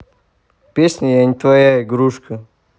песня я не твоя игрушка